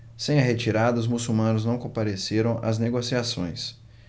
sem a retirada os muçulmanos não compareceram às negociações